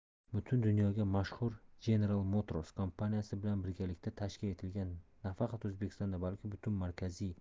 butun dunyoga mashhur jeneral motors kompaniyasi bilan birgalikda tashkil etilgan nafaqat o'zbekistonda balki butun markaziy